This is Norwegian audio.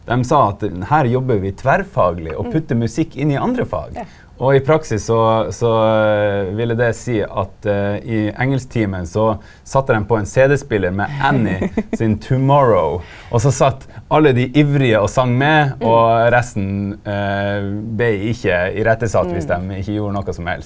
dei sa at her jobbar vi tverrfagleg og puttar musikk inn i andre fag, og i praksis så så ville det seia at i engelsktimane så sette dei på ein cd-spelar med Annie sin Tomorrow, og så sat alle dei ivrige og song med og resten blei ikkje irettesett viss dei ikkje gjorde noko som helst.